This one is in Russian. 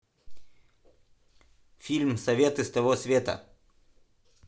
фильм советы с того света